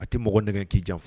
A tɛ mɔgɔ nɛgɛ k'i jan fɔ